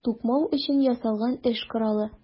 Тукмау өчен ясалган эш коралы.